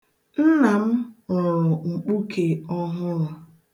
Nna m rụrụ mpuke ọhụrụ.